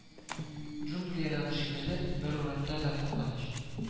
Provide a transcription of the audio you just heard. Джунглиядәге шикелле, бар урында да куркыныч